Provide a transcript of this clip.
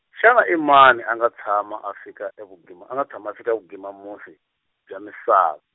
xana i mani a nga tshama a fika evugima a nga tshama a fika evugima musi, bya misa-?